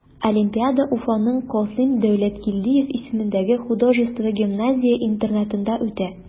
Олимпиада Уфаның Касыйм Дәүләткилдиев исемендәге художество гимназия-интернатында үтә.